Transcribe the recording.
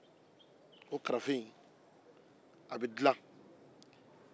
a nɛgɛmayɔrɔ ye numuw ta ye golomayɔrɔ min b'a la o ye garankew ta ye